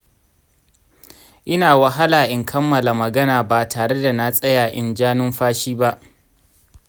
ina wahala in kammala magana ba tare da na tsaya in ja numfashi ba.